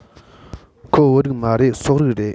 ཁོ བོད རིགས མ རེད སོག རིགས རེད